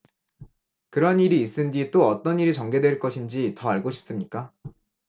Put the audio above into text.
그러한 일이 있은 뒤 또 어떤 일이 전개될 것인지 더 알고 싶습니까